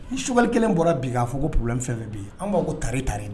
Ni Choguel kelen bɔra bi k'a fɔ ko problème fɛn o fɛn bɛ yen, an b'a fɔ taré taré